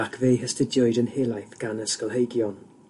ac fe'i hastudiwyd yn helaeth gan ysgolheigion.